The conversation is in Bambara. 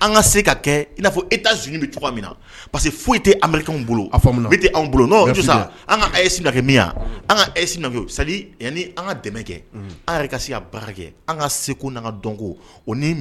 An segu dɔnko ni